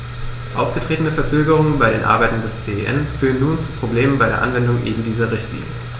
Aufgetretene Verzögerungen bei den Arbeiten des CEN führen nun zu Problemen bei der Anwendung eben dieser Richtlinie.